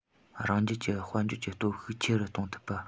རང རྒྱལ གྱི དཔལ འབྱོར གྱི སྟོབས ཤུགས ཆེ རུ གཏོང ཐུབ པ